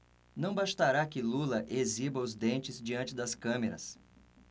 não bastará que lula exiba os dentes diante das câmeras